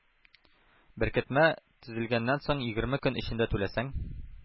Беркетмә төзелгәннән соң егерме көн эчендә түләсәң,